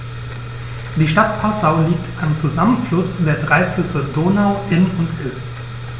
Die Stadt Passau liegt am Zusammenfluss der drei Flüsse Donau, Inn und Ilz.